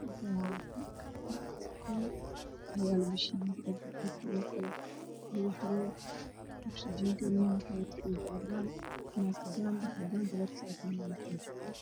Meeshaan waa meel tog ah waana meel biyo ka buuxaan sannadkii mar ay biyo maraan waana biyo-mareen